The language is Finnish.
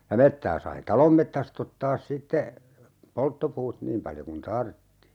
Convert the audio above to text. ja metsää sai talon metsästä ottaa sitten polttopuut niin paljon kuin tarvitsi